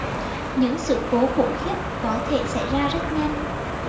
những sự cố khủng khiếp có thể xảy ra rất nhanh